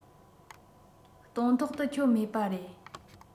དོན ཐོག ཏུ འཁྱོལ མེད པ རེད